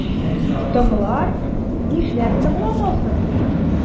Тыңлар, нишләп тыңламасын?